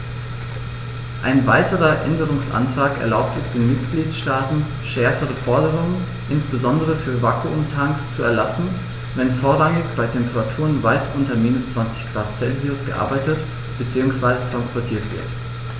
Ein weiterer Änderungsantrag erlaubt es den Mitgliedstaaten, schärfere Forderungen, insbesondere für Vakuumtanks, zu erlassen, wenn vorrangig bei Temperaturen weit unter minus 20º C gearbeitet bzw. transportiert wird.